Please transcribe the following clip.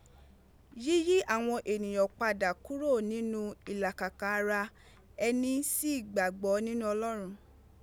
Yíyí àwọn ènìyàn padà kúrò nínú ìlàkàkà ara ẹni sí ìgbàgbọ́ nínú Ọlọ́run